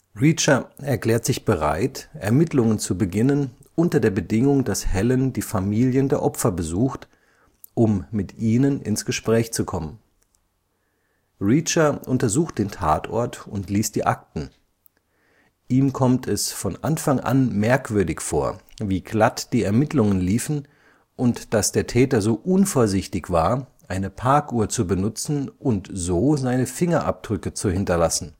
Reacher erklärt sich bereit, Ermittlungen zu beginnen, unter der Bedingung, dass Helen die Familien der Opfer besucht, um mit ihnen ins Gespräch zu kommen. Reacher untersucht den Tatort und liest die Akten. Ihm kommt es von Anfang an merkwürdig vor, wie glatt die Ermittlungen liefen und dass der Täter so unvorsichtig war, eine Parkuhr zu benutzen und so seine Fingerabdrücke zu hinterlassen